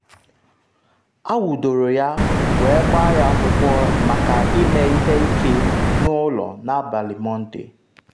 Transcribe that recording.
Anwudoro ya wee gbaa ya akwụkwọ maka ime ihe ike n’ụlọ n’abalị Mọnde